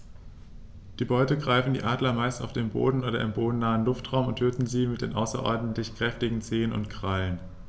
Die Beute greifen die Adler meist auf dem Boden oder im bodennahen Luftraum und töten sie mit den außerordentlich kräftigen Zehen und Krallen.